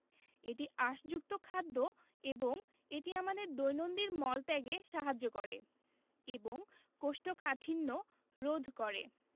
এটি আঁশযুক্ত খাদ্য এবং এটি আমাদের দৈনন্দিন মল ত্যাগে সাহায্য করে এবং কোষ্ঠকাঠিন্য রোধ করে